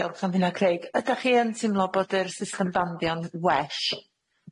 Diolch am hynna Craig. Ydach chi yn teimlo bod yr system danddio'n well?